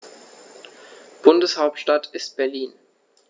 Bundeshauptstadt ist Berlin.